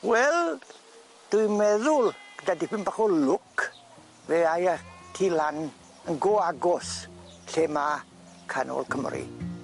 Wel, dwi'n meddwl, gyda dipyn bach o lwc, fe a'i â ci lan yn go agos lle ma' canol Cymru.